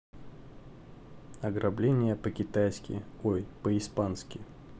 ограбление по китайски ой по испански